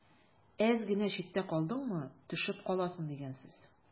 Әз генә читтә калдыңмы – төшеп каласың дигән сүз.